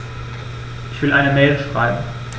Ich will eine Mail schreiben.